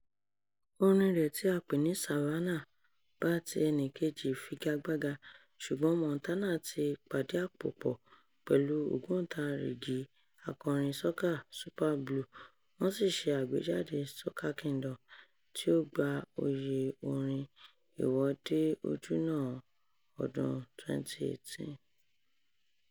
Orin rẹ̀ tí a pè ní "Savannah", bá ti ẹnìkejì figagbága, ṣùgbọ́n Montana tí pàdí-àpò-pọ̀ pẹ̀lú ògbóǹtarigi akọrin soca Superblue wọ́n sì ṣe àgbéjáde "Soca Kingdom", tí ó gba oyè orin Ìwọ́de Ojúná ọdún 2018.